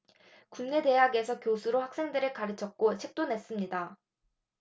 국내 대학에서 교수로 학생들을 가르쳤고 책도 냈습니다